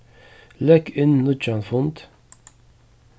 legg inn nýggjan fund